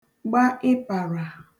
gba ipàrà